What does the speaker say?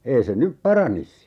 ei se nyt paranisi